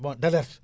bon d' alerte